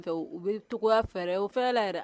U bɛ cogoya fɛɛrɛ o fɛrɛ laɛrɛ